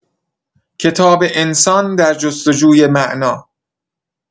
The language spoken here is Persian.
کتاب انسان در جستجوی معنا